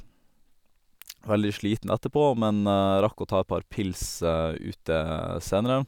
Veldig sliten etterpå, men jeg rakk å ta et par pils ute senere.